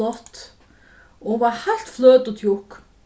og hon var heilt fløt og tjúkk